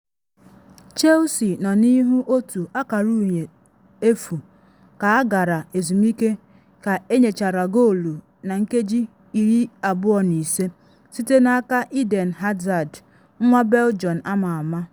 Chelsea nọ n’ihu 1-0 ka agara ezumike ka enyechara goolu na nkeji 25 site n’aka Eden Hazard nwa Belgium ama ama.